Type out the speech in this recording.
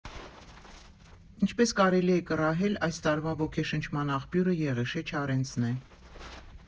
Ինչպես կարելի է կռահել, այս տարվա ոգեշնչման աղբյուրը Եղիշե Չարենցն է։